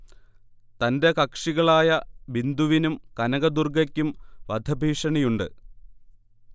തന്റെ കക്ഷികളായ ബിന്ദുവിനും കനക ദുർഗക്കും വധഭീഷണിയുണ്ട്